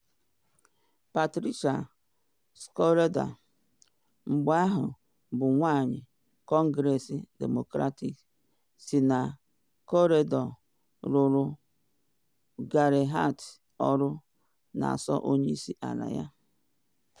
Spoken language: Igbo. Patricia Schroeder, mgbe ahụ bụ nwanyị kọngress Demokrat si na Colorado, rụụrụ Gary Hart ọrụ n’ọsọ onye isi ala ya.